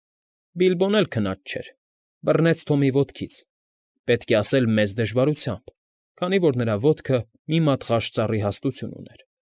Բիլբոն էլ քնած չէր՝ բռնեց Թոմի ոտքից, պետք է ասել, մեծ դժվարությամբ, քանի որ նրա ոտքը մի մատղաշ ծառի հաստություն ուներ։